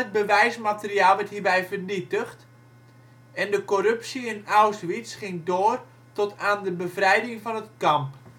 bewijsmateriaal werd hierbij vernietigd en de corruptie in Auschwitz ging door tot aan de bevrijding van het kamp